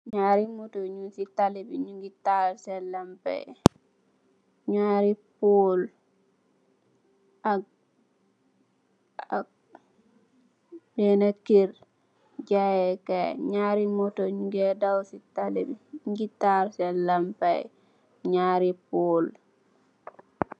Ñaari moto ñiñ ci talli bi, ñi tallal sèèn lampa yi, ñaari pól ak benna kèr jayèh Kay.